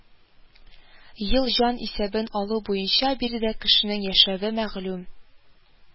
Ел җанисәбен алу буенча биредә кешенең яшәве мәгълүм